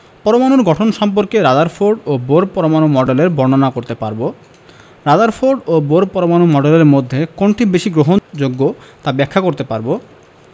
পরমাণুর গঠন সম্পর্কে রাদারফোর্ড ও বোর পরমাণু মডেলের বর্ণনা করতে পারব রাদারফোর্ড ও বোর পরমাণু মডেলের মধ্যে কোনটি বেশি গ্রহণযোগ্য তা ব্যাখ্যা করতে পারব